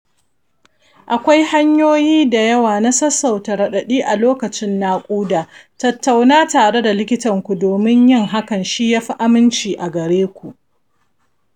akwai hanyoyi da yawa na sassauta raɗaɗi a lokacin naƙuda, tattauna tare da likitanku domin yin hakan shi yafi aminci a gareku